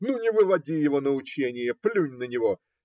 - Ну, не выводи его на ученье, плюнь на него.